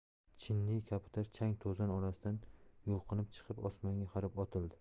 chiniy kabutar chang to'zon orasidan yulqinib chiqib osmonga qarab otildi